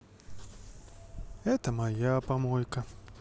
это моя помойка